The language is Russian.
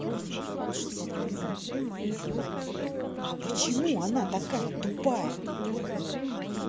а почему она такая тупая